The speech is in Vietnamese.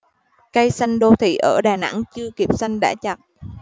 cây xanh đô thị ở đà nẵng chưa kịp xanh đã chặt